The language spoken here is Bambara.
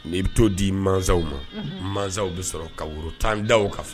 N i bɛ to di mansaw ma masaw bɛ sɔrɔ ka woro tan da ka fɔ